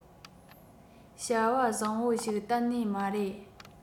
བྱ བ བཟང པོ ཞིག གཏན ནས མ རེད